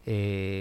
Unhun